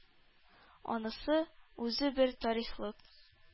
Анысы үзе бер тарихлык.